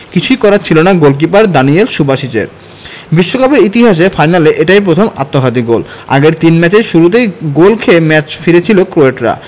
কিছুই করার ছিল না গোলকিপার দানিয়েল সুবাসিচের বিশ্বকাপের ইতিহাসে ফাইনালে এটাই প্রথম আত্মঘাতী গোল আগের তিন ম্যাচেই শুরুতে গোল খেয়ে ম্যাচে ফিরেছিল ক্রোয়াটরা